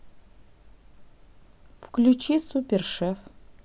включи супер шеф